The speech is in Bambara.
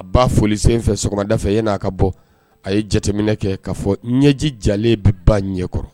A ba foli sen fɛ sɔgɔmada fɛ e n'a ka bɔ a ye jateminɛ kɛ k'a fɔ ɲɛji jalen bɛ ba ɲɛkɔrɔ